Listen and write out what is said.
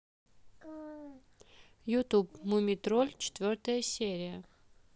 ютуб мумий тролли четвертая серия